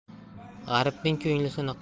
g'aribning ko'ngli siniq